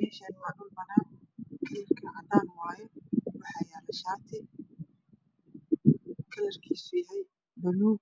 Meeshaani waa dhul banaan waaye kalarkeeda cadaan waaye waxaa yaalo shaati kalarkiisa uu yahay buluug